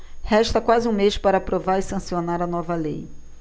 resta quase um mês para aprovar e sancionar a nova lei